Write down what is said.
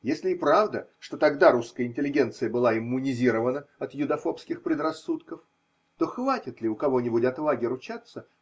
Если и правда, что тогда русская интеллигенция была иммунизирована от юдофобских предрассудков, то хватит ли у кого-нибудь отваги ручаться.